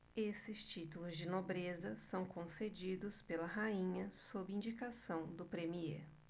esses títulos de nobreza são concedidos pela rainha sob indicação do premiê